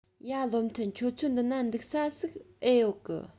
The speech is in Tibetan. ཡ བློ མཐུན ཁྱོད ཚོའི འདི ན འདུག ས ཟིག ཨེ ཡོད གི